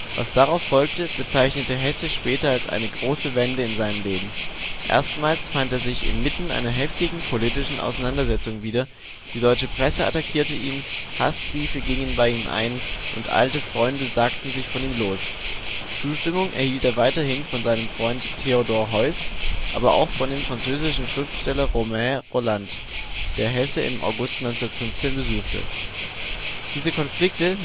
Was darauf folgte, bezeichnete Hesse später als eine große Wende in seinem Leben: Erstmals fand er sich inmitten einer heftigen politischen Auseinandersetzung wieder, die deutsche Presse attackierte ihn, Haßbriefe gingen bei ihm ein und alte Freunde sagten sich von ihm los. Zustimmung erhielt er weiterhin von seinem Freund Theodor Heuss, aber auch von dem französischen Schriftsteller Romain Rolland, der Hesse im August 1915 besuchte. Diese Konflikte